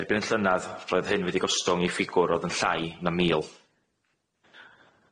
Erbyn y llynadd roedd hyn wedi gostwng i ffigwr o'dd yn llai na mil.